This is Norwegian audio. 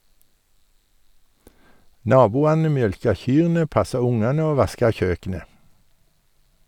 Naboane mjølka kyrne, passa ungane og vaska kjøkenet.